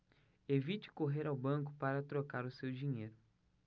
evite correr ao banco para trocar o seu dinheiro